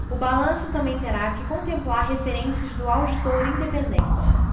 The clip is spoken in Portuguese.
o balanço também terá que contemplar referências do auditor independente